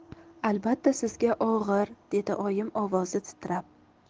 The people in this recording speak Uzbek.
albatta sizga og'ir dedi oyim ovozi titrab